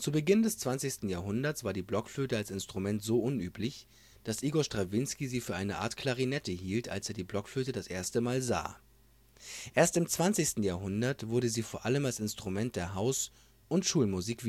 Beginn des 20. Jahrhunderts war die Blockflöte als Instrument so unüblich, dass Igor Stravinsky sie für eine Art Klarinette hielt, als er die Blockflöte das erste mal sah. Erst im 20. Jahrhundert wurde sie vor allem als Instrument der Haus - und Schulmusik